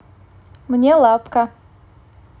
мне лапка